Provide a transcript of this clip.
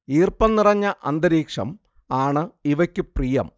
ഈർപ്പം നിറഞ്ഞ അന്തരീക്ഷം ആണ് ഇവയ്ക്കു പ്രിയം